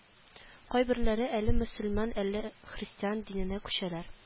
Кайберләре әле мөселман әле христиан диненә күчәләр